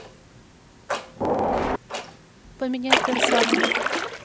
поменяй персонаж